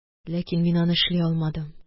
Ләкин мин аны эшли алмадым